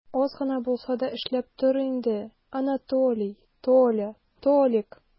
Аз гына булса да эшләп тор инде, Анатолий, Толя, Толик!